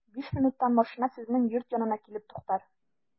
Биш минуттан машина сезнең йорт янына килеп туктар.